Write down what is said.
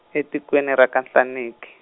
etikweni ra ka Nhlaneki.